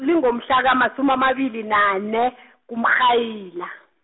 lingomhlaka- masumi amabili nane , kuMrhayili.